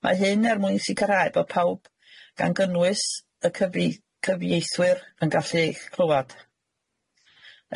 Mae hyn er mwyn sicrhau bo' pawb gan gynnwys y cyfiei- cyfieithwyr yn gallu eich clywad.